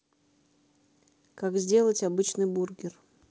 как сделать обычный бургер